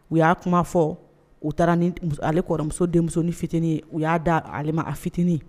U y'a kuma fɔ u taara ni ale kɔrɔmuso denmusonin fitinin u y'a da ale ma a fitinin